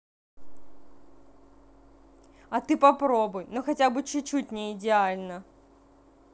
а ты попробуй но хотя бы чучуть не идеально